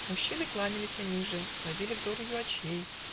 Мужчины кланялися ниже, Ловили взор ее очей